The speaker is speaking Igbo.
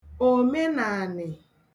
òmenàànị̀